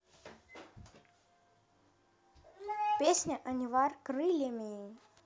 песня anivar крыльями